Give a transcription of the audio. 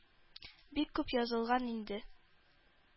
Бик күп язылган инде.